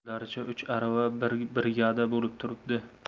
o'zlaricha uch arava bir brigada bo'lib turibdi